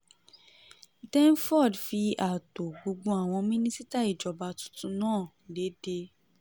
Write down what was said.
Denford fi ààtò gbogbo àwọn mínísítà ìjọba tuntun náà léde.